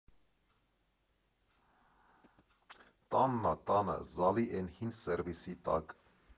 Տանն ա, տանը, զալի էն հին սերվիսի տակ…